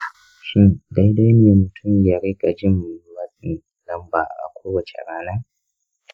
shin daidai ne mutum ya riƙa jin matsin lamba a kowace rana?